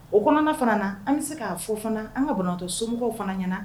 O kɔnɔna fana na an bɛ se k'a fɔ fana an ka bantɔ somɔgɔw fana ɲɛna